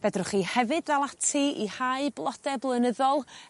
Fedrwch chi hefyd ddal ati i hau blode blynyddol